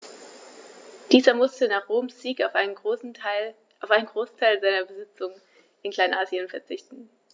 Dieser musste nach Roms Sieg auf einen Großteil seiner Besitzungen in Kleinasien verzichten.